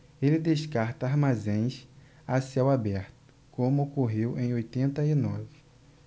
ele descarta armazéns a céu aberto como ocorreu em oitenta e nove